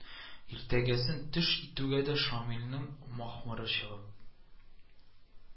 Иртәгәсен төш итүгә дә Шамилнең махмыры чыгып